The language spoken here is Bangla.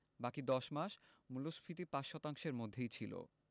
বাকি ১০ মাস মূল্যস্ফীতি ৫ শতাংশের মধ্যেই ছিল